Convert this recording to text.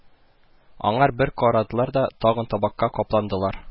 Аңар бер карадылар да, тагын табакка капландылар